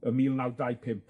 ym mil naw dau pump.